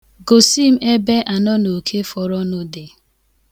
Gosi m ebe anọnọke forọnụ dị.